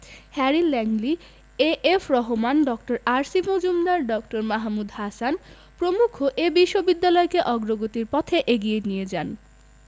Harry Langley A F Rahman ড. R C Majumdar ড. মাহমুদ হাসান প্রমুখ এ বিশ্ববিদ্যালয়কে অগ্রগতির পথে এগিয়ে নিয়ে যান